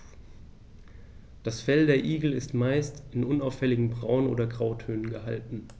Das Fell der Igel ist meist in unauffälligen Braun- oder Grautönen gehalten.